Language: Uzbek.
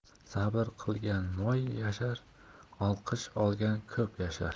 sabr qilgan moy oshar olqish olgan ko'p yashar